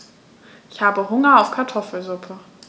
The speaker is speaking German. Ich habe Hunger auf Kartoffelsuppe.